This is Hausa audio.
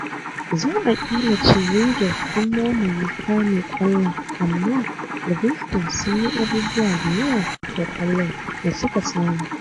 Za a ƙila ce Rangers sun mamaye kame ƙwallon amma Livingston sun yi abubuwa da yawa da ƙwallon da suka samu.